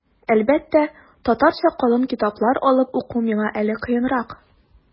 Әлбәттә, татарча калын китаплар алып уку миңа әле кыенрак.